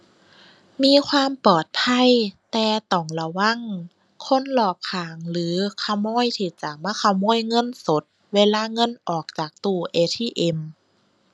มีความปลอดภัยแต่ต้องระวังคนรอบข้างหรือขโมยที่จะมาขโมยเงินสด เวลาเงินออกจากตู้ ATM